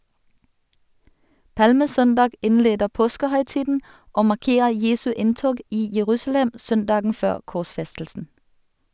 Palmesøndag innleder påskehøytiden og markerer Jesu inntog i Jerusalem søndagen før korsfestelsen.